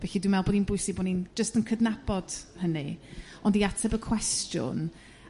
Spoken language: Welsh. Felly dwi me'wl bod 'i'n bwysig bo' ni'n jyst yn cydnabod hynny. Ond i ateb y cwestiwn,